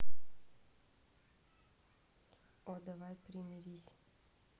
о давай примирись